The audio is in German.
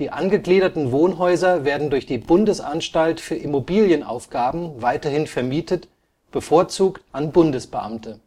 angegliederten Wohnhäuser werden durch die Bundesanstalt für Immobilienaufgaben weiterhin vermietet, bevorzugt an Bundesbeamte